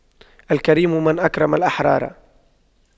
الكريم من أكرم الأحرار